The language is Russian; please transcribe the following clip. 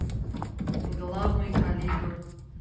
главный калибр